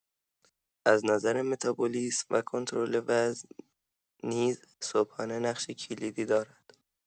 از نظر متابولیسم و کنترل وزن نیز صبحانه نقش کلیدی دارد.